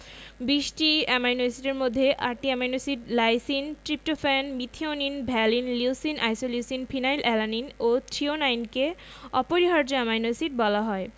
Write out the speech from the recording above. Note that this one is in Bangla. ২০টি অ্যামাইনো এসিডের মধ্যে ৮টি amino acid lysine tryptophan methionine valine leucine isoleucine phenyl alanine ও থ্রিওনাইনকে অপরিহার্য অ্যামাইনো এসিড বলা হয়